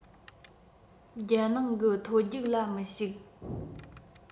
རྒྱལ ནང གི མཐོ རྒྱུགས ལ མི ཞུགས